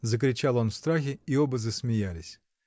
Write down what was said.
— закричал он в страхе, и оба засмеялись.